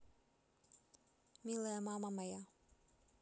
милая мама моя